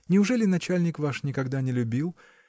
Неужели начальник ваш никогда не любил?